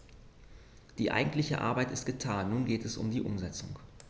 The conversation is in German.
Die eigentliche Arbeit ist getan, nun geht es um die Umsetzung.